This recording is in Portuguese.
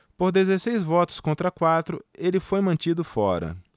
por dezesseis votos contra quatro ele foi mantido fora